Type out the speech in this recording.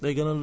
day gën a